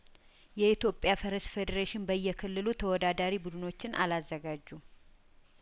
የኢትዮጵያ ፈረስ ፌዴሬሽን በየክልሉ ተወዳዳሪ ቡድኖችን አላዘጋጁም